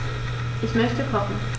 Ich möchte kochen.